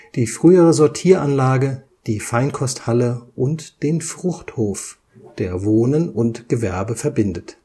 die frühere Sortieranlage, die Feinkosthalle und den Fruchthof, der Wohnen und Gewerbe verbindet